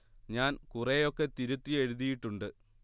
ഞാൻ കുറെ ഒക്കെ തിരുത്തി എഴുതിയിട്ടുണ്ട്